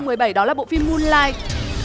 mười bảy đó là bộ phim mun lai